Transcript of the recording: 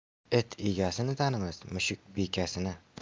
it egasini tanimas mushuk bekasini